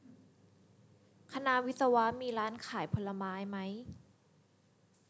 คณะวิศวะมีร้านขายผลไม้ไหม